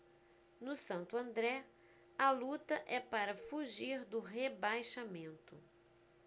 no santo andré a luta é para fugir do rebaixamento